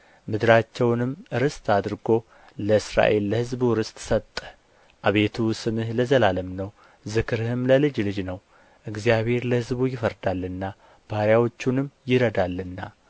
ምድራቸውንም ርስት አድርጎ ለእስራኤል ለሕዝቡ ርስት ሰጠ አቤቱ ስምህ ለዘላለም ነው ዝክርህም ለልጅ ልጅ ነው እግዚአብሔር ለሕዝቡ ይፈርዳልና ባሪያዎቹንም ይረዳልና